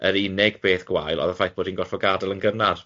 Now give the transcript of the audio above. Yr unig beth gwael oedd y ffaith bod i'n gorfod gadel yn gynnar.